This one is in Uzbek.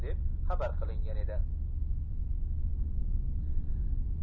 deb xabar qilingan edi